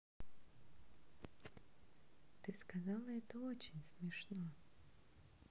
ты сказала это очень смешно